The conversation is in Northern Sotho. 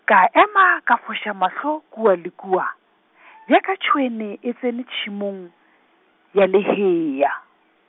ka ema ka foša mahlo kua le kua, bjaka tšhwene e tsena tšhemong, ya lehea.